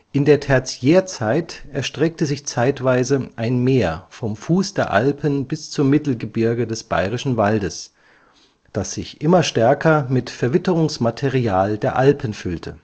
In der Tertiärzeit erstreckte sich zeitweise ein Meer vom Fuß der Alpen bis zum Mittelgebirge des Bayerischen Waldes, das sich immer stärker mit Verwitterungsmaterial der Alpen füllte